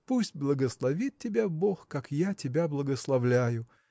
Пусть благословит тебя бог, как я тебя благословляю.